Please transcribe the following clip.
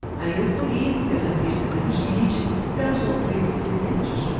a euforia pela pista menos quente causou três incidentes